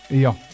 iyo